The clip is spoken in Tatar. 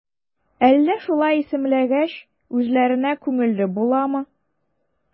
Әллә шулай исемләгәч, үзләренә күңелле буламы?